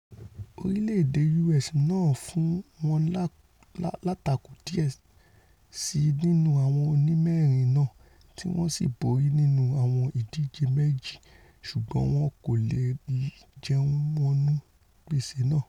orílẹ̀-èdè U.S. náà fún wọn látakò díẹ̀ síi nínú àwọn onímẹ́rin náà, tíwọ́n sì borí nínú àwọn ìdíje méjì, ṣùgbọ́n wọn kò leè jẹun wọnú gbèsè náà.